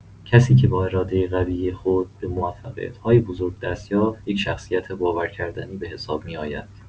کسی که با اراده قوی خود به موفقیت‌های بزرگ دست‌یافت، یک شخصیت باورکردنی به‌حساب می‌آید.